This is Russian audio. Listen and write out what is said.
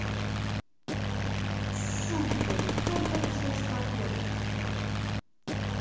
супер только пришел с работы